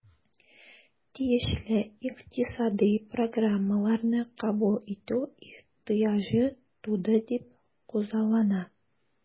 Тиешле икътисадый программаларны кабул итү ихтыяҗы туды дип күзаллана.